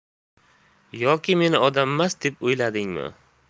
yoki meni odammas deb o'yladingmi